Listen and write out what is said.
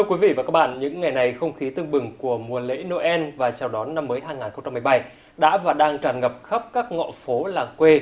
thưa quý vị và các bạn những ngày này không khí tưng bừng của mùa lễ nô en và chào đón năm mới hai ngàn không trăm mười bảy đã và đang tràn ngập khắp các ngõ phố làng quê